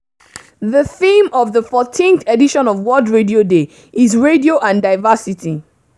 The theme of the 14th edition of World Radio Day is "Radio and Diversity."